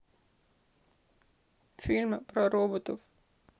фильмы про роботов